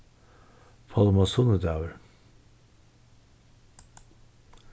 pálmasunnudagur